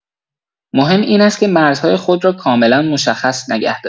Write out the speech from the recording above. مهم این است که مرزهای خود را کاملا مشخص نگه دارید.